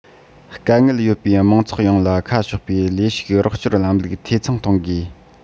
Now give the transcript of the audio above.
དཀའ ངལ ཡོད པའི མང ཚོགས ཡོངས ལ ཁ ཕྱོགས པའི ལས ཞུགས རོགས སྐྱོར ལམ ལུགས འཐུས ཚང གཏོང དགོས